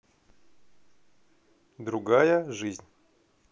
другая жизнь